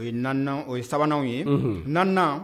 O ye o ye sabananw ye na